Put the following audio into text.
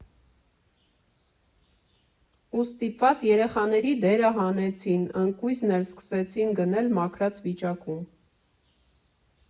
Ու ստիպված երեխաների դերը հանեցին, ընկույզն էլ սկսեցին գնել մաքրած վիճակում։